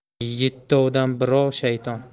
yettovdan birov shayton